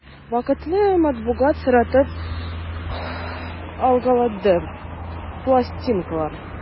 Вакытлы матбугат соратып алгаладым, пластинкалар...